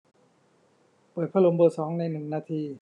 เปิดพัดลมเบอร์สองในหนึ่งนาที